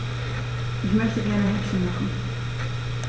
Ich möchte gerne Häppchen machen.